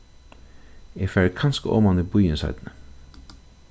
eg fari kanska oman í býin seinni